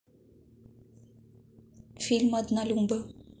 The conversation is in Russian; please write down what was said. фильм однолюбы